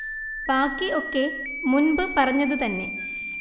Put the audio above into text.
ബാക്കി ഒക്കെ മുൻപ് പറഞ്ഞത് തന്നെ